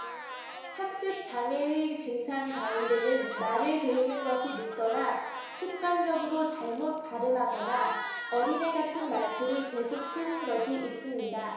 학습 장애의 증상 가운데는 말을 배우는 것이 늦거나 습관적으로 잘못 발음하거나 어린애 같은 말투를 계속 쓰는 것이 있습니다